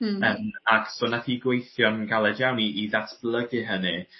Hmm. Yym ac so nath hi gweithio'n galed iawn i i ddatblygu hynny